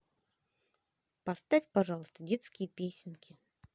поставь пожалуйста детские песенки